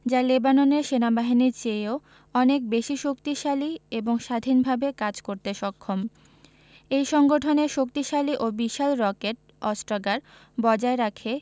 যা লেবাননের সেনাবাহিনীর চেয়েও অনেক বেশি শক্তিশালী এবং স্বাধীনভাবে কাজ করতে সক্ষম এই সংগঠনের শক্তিশালী ও বিশাল রকেট অস্ত্রাগার বজায় রাখে